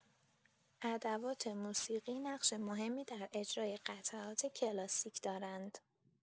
ادوات موسیقی نقش مهمی در اجرای قطعات کلاسیک دارند.